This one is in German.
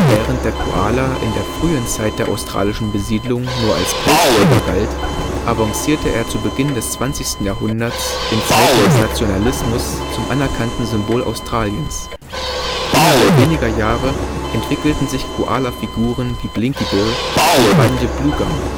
Während der Koala in der frühen Zeit der australischen Besiedlung nur als Pelzträger galt, avancierte er zu Beginn des 20. Jahrhunderts in Zeiten des Nationalismus zum anerkannten Symbol Australiens. Innerhalb weniger Jahre entwickelten sich Koalafiguren wie Blinky Bill und Bunyip Bluegum